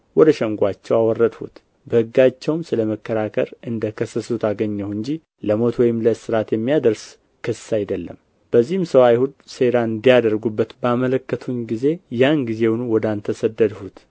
ወደ ሸንጎአቸው አወረድሁት በሕጋቸውም ስለ መከራከር እንደ ከሰሱት አገኘሁ እንጂ ለሞት ወይም ለእስራት የሚያደርስ ክስ አይደለም በዚህም ሰው አይሁድ ሴራ እንዲያደርጉበት ባመለከቱኝ ጊዜ ያን ጊዜውን ወደ አንተ ሰደድሁት